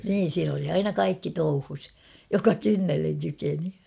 niin siinä oli aina kaikki touhussa joka kynnelle kykeni